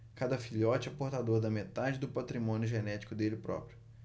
cada filhote é portador da metade do patrimônio genético dele próprio